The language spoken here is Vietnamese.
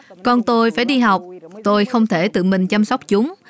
con tôi phải đi học tôi không thể tự mình chăm sóc chúng